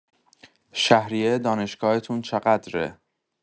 شهریه دانشگاهتون چقدره؟